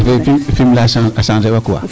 Fimela a changer wa quoi